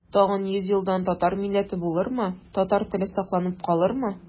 Тагын йөз елдан татар милләте булырмы, татар теле сакланып калырмы?